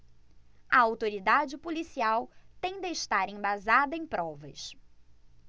a autoridade policial tem de estar embasada em provas